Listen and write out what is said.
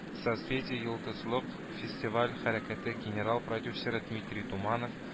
“созвездие-йолдызлык” фестиваль хәрәкәте генераль продюсеры дмитрий туманов